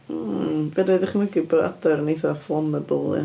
Hmm fedrai ddychmygu bod adar yn eitha flammable, ia?